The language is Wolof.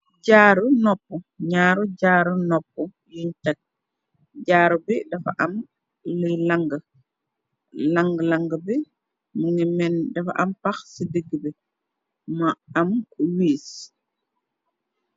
Jaaru nopp ñaaru jaaru nopp yuñ takg jaaru bi dafa am lang-lang bi mu ngi menn dafa am pax ci digg bi mo am wiis.